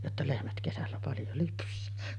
jotta lehmät kesällä paljon lypsää